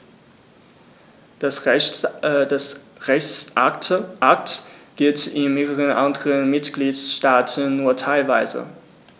Der Rechtsakt gilt in mehreren anderen Mitgliedstaaten nur teilweise.